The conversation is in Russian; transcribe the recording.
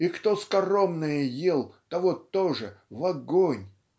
И кто скоромное ел, того тоже в огонь".